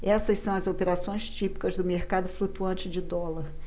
essas são as operações típicas do mercado flutuante de dólar